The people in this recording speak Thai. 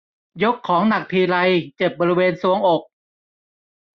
ยกของหนักทีไรเจ็บบริเวณทรวงอก